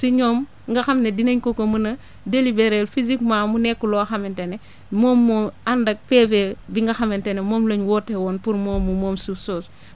si ñoom nga xam ne dinañ ko ko mën a délibéré physiquement mu nekk loo xamante ne moom moo ànd ak PV bi nga xamante ne moom la ñu woote woon pour moom mu moom suuf soosu